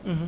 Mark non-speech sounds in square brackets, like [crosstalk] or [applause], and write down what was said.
[hesitation] [hesitation]